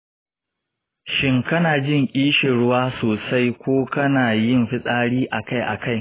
shin kana jin ƙishirwa sosai ko kana yin fitsari akai akai?